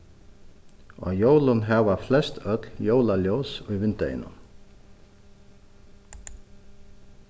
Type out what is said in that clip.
á jólum hava flest øll jólaljós í vindeygunum